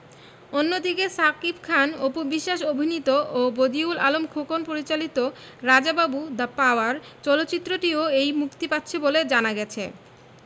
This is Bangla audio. অন্যদিকে শাকিব খান অপু বিশ্বাস অভিনীত ও বদিউল আলম খোকন পরিচালিত রাজা বাবু দ্যা পাওয়ার চলচ্চিত্রটিও এই মুক্তি পাচ্ছে বলে জানা গেছে